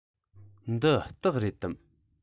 འདི སྟག རེད དམ